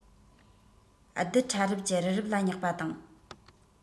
རྡུལ ཕྲ རབ ཀྱིས རི རབ ལ བསྙེགས པ དང